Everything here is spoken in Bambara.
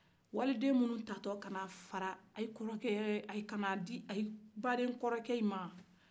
waliden minnu tatɔ ka na fara ka na ka di a badenkɔrɔkɛ ma